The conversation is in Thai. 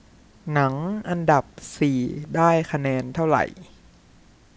หนังอันดับสี่ได้คะแนนเท่าไหร่